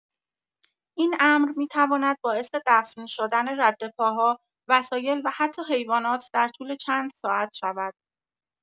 این امر می‌تواند باعث دفن‌شدن ردپاها، وسایل و حتی حیوانات در طول چند ساعت شود.